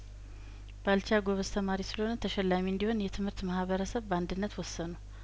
ባልቻ ጐበዝ ተማሪ ስለሆነ ተሸላሚ እንዲሆን የትምህርት ማህበረሰብ በአንድነት ወሰኑ